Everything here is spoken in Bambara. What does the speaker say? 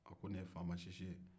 nin ye faama sisi ye